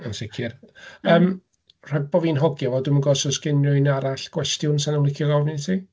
Yn sicr. Yym rhag bo' fi'n hogio fo, dwi'm yn gwybod os oes gen unrhyw un arall gwestiwn 'sen nhw'n licio ofyn i ti.